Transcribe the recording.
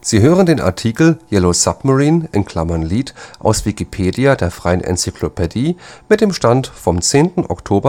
Sie hören den Artikel Yellow Submarine (Lied), aus Wikipedia, der freien Enzyklopädie. Mit dem Stand vom Der